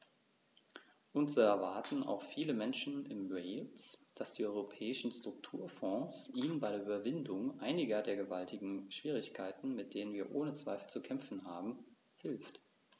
Und so erwarten auch viele Menschen in Wales, dass die Europäischen Strukturfonds ihnen bei der Überwindung einiger der gewaltigen Schwierigkeiten, mit denen wir ohne Zweifel zu kämpfen haben, hilft.